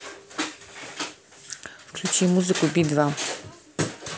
включи музыку би два